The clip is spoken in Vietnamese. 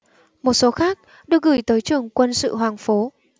một số khác được gửi tới trường quân sự hoàng phố